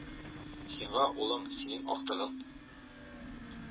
Сиңа улың — синең актыгың